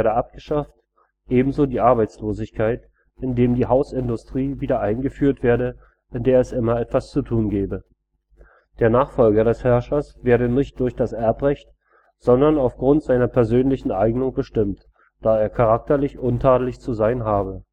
abgeschafft, ebenso die Arbeitslosigkeit, indem die Hausindustrie wieder eingeführt werde, in der es immer etwas zu tun gebe. Der Nachfolger des Herrschers werde nicht durch das Erbrecht, sondern aufgrund seiner persönlichen Eignung bestimmt, da er charakterlich untadelig zu sein habe